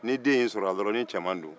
ni den sɔrɔla ni cɛman don